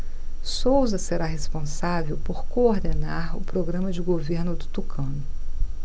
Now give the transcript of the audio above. souza será responsável por coordenar o programa de governo do tucano